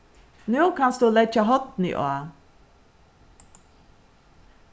nú kanst tú leggja hornið á